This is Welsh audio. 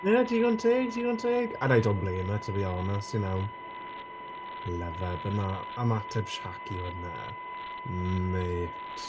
Ie digon teg, digon teg. And I don't blame her to be honest you know? Love her but na ymateb Shaq i hwnna mêt!